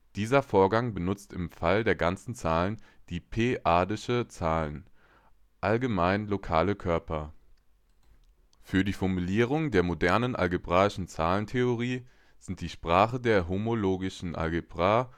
Dieser Vorgang benutzt im Fall der ganzen Zahlen die p-adischen Zahlen, allgemein lokale Körper. Für die Formulierung der modernen algebraischen Zahlentheorie sind die Sprache der homologischen Algebra